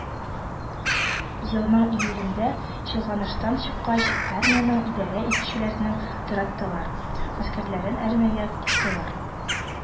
Елның июлендә, чолганыштан чыккач, армиянең идарә итүчеләрне тараттылар, гаскәрләрен армиягә куштылар